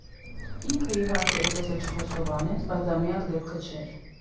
Ինքը, իհարկե, էդպես էլ չխոստովանեց, բայց դա միակ դեպքը չէր։